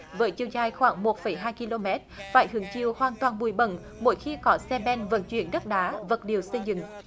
với chiều dài khoảng một phẩy hai ki lô mét phải hứng chịu hoàn toàn bụi bẩn mỗi khi có xe ben vận chuyển đất đá vật liệu xây dựng